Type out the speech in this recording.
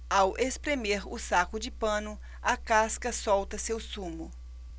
ao espremer o saco de pano a casca solta seu sumo